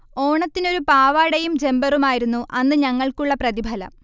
ഓണത്തിനൊരു പാവാടയും ജംബറുമായിരുന്നു അന്ന് ഞങ്ങൾക്കുള്ള പ്രതിഫലം